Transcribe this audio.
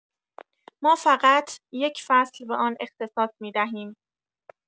ما فقط یک فصل به آن اختصاص می‌دهیم.